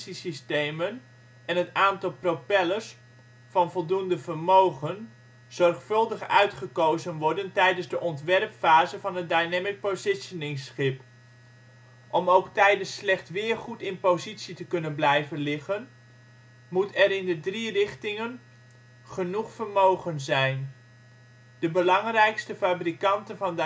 en het aantal propellers van voldoende vermogen zorgvuldig uitgekozen worden tijdens de ontwerpfase van een dynamic positioning-schip. Om ook tijdens slecht weer goed in positie te kunnen blijven liggen, moet er in de drie richtingen genoeg vermogen zijn. De belangrijkste fabrikanten van